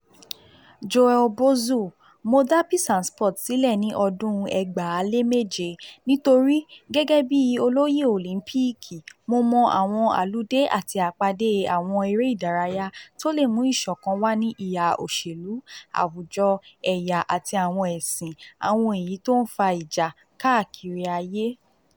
Joël Bouzou (JB): Mo dá Peace and Sport sílẹ̀ ní ọdún 2007 nítorí, gẹ́gẹ́ bi olóyè Òlímpììkì, mo mọ àwọn àludé àti àpadé àwon eré ìdárayá tó lè mú ìsọ̀kan wá ní ìhà òṣèlú, àwùjọ, ẹ̀yà àti àwọn ẹ̀sìn, àwọn èyí tó ń fa ìjà káàkiri ayé.